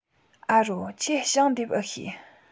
ཨ རོ ཁྱོས ཞིང འདེབས འུ ཤེས